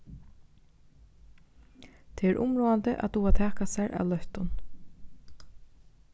tað er umráðandi at duga at taka sær av løttum